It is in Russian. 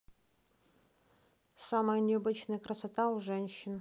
самая необычная красота у женщин